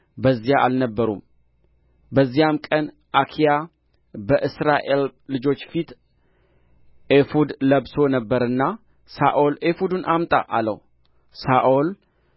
በዚያ አልነበሩም በዚያም ቀን አኪያ በእስራኤል ልጆች ፊት ኤፉድ ለብሶ ነበርና ሳኦል ኤፉድን አምጣ አለው ሳኦል